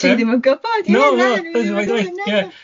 wi ddim yn gwybod